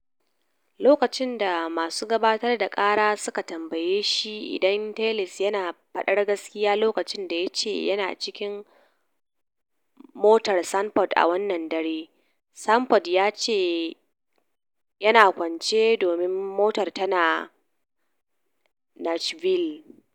Lokacin da masu gabatar da kara suka tambaye shi idan Tellis yana faɗar gaskiya lokacin da ya ce yana cikin motar Sanford a wannan dare, Sanford ya ce yana "kwance, domin motar tana Nashville."